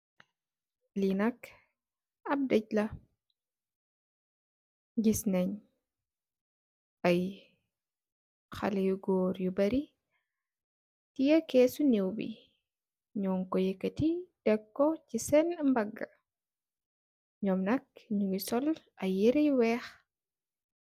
Li nak ap deeg la giss neen ay xale yu goor yu bari tiyeh kesi neew bi num ko eketi tek ko si seni mbaga nyom nak nyugi solu ay yereh yu weex.